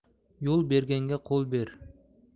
yo'l berganga qo'l ber